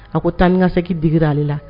A ko taa n ka se'igira ale la